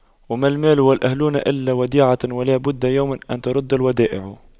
وما المال والأهلون إلا وديعة ولا بد يوما أن تُرَدَّ الودائع